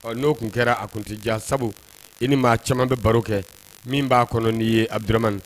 Ɔ n'o tun kɛra a kuntija sabu i ni maaa caman bɛ baro kɛ min b'a kɔnɔ'i ye abirmani